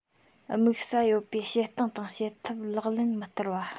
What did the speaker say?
དམིགས ས ཡོད པའི བྱེད སྟངས དང བྱེད ཐབས ལག ལེན མི བསྟར བ